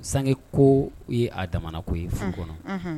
Sange ko ye a damana ko ye furu kɔnɔ.